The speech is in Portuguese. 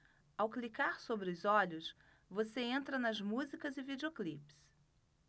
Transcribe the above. ao clicar sobre os olhos você entra nas músicas e videoclipes